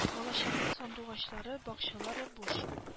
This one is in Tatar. Балачакның сандугачлы бакчалары буш